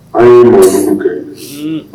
A ye mɔgɔunu kɛ